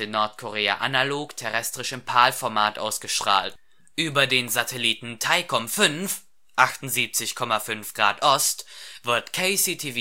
Nordkorea analog terrestrisch im PAL-Format ausgestrahlt. Über den Satelliten Thaicom 5 (78,5°Ost) wird KCTV HD digital